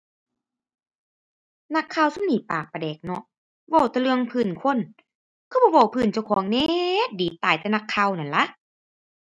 นักข่าวซุมนี้ปากปลาแดกเนาะ เว้าแต่เรื่องพื้นคน คือบ่เว้าพื้นเจ้าของแหน่ ดีตายแต่นักข่าวนั่นล่ะ